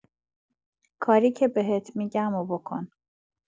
کاری که بهت میگمو بکن